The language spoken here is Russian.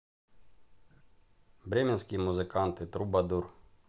бременские музыканты трубадур